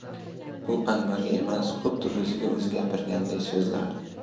u anvarga emas xuddi o'ziga o'zi gapirganday so'zlardi